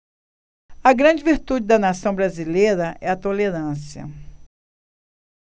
a grande virtude da nação brasileira é a tolerância